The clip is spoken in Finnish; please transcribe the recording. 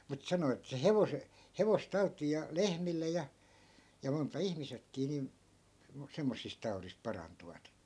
mutta sanoi että se - hevostautiin ja lehmille ja ja monta ihmisetkin niin - semmoisista taudista parantuvat